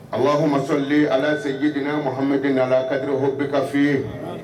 Ayiwah masɔli ala se yed mahad ala kadi h bɛ ka fɔ ye